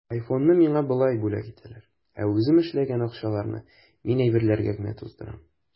Айфонны миңа болай бүләк итәләр, ә үзем эшләгән акчаларны мин әйберләргә генә туздырам.